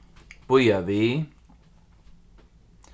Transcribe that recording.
bíða við